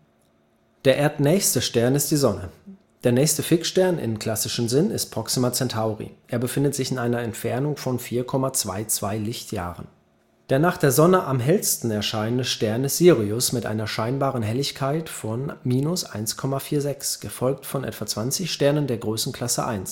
Der erdnächste Stern ist die Sonne. Der nächste Fixstern in klassischem Sinn ist Proxima Centauri, er befindet sich in einer Entfernung von 4,22 Lichtjahren. Der nach der Sonne am hellsten erscheinende Stern ist Sirius mit einer scheinbaren Helligkeit von −1,46m, gefolgt von etwa 20 Sternen erster Größe. Alle